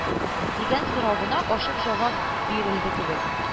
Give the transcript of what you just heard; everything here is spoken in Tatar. » дигән соравына ачык җавап бирелде кебек